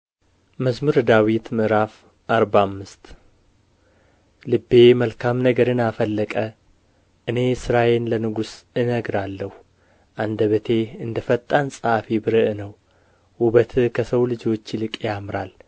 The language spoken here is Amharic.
መዝሙር ምዕራፍ አርባ አምስት ልቤ መልካም ነገርን አፈለቀ እኔ ሥራዬን ለንጉሥ እነግራለሁ አንደበቴ እንደ ፈጣን ጸሓፊ ብርዕ ነው ውበትህ ከሰው ልጆች ይልቅ ያምራል